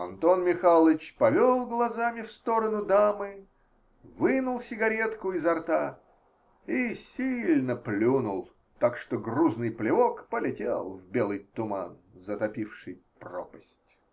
Антон Михайлыч повел глазами в сторону дамы, вынул сигаретку изо рта и сильно плюнул, так что грузный плевок полетел в белый туман, затопивший пропасть.